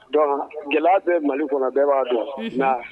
Don gɛlɛya bɛ mali kɔnɔ bɛɛ b'a dɔn